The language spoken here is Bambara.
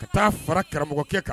Ka taa fara karamɔgɔkɛ kan